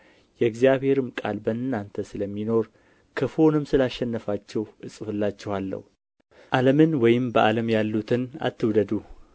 የእግዚአብሔርም ቃል በእናንተ ስለሚኖር ክፉውንም ስለ አሸነፋችሁ እጽፍላችኋለሁ ዓለምን ወይም በዓለም ያሉትን አትውደዱ